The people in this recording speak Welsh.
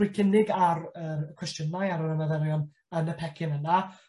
roi cynnig ar yr cwestiynau, ar yr ymaferion yn y pecyn yna,